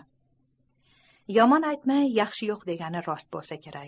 yomon aytmay yaxshi yo'q degani rost bo'lsa kerak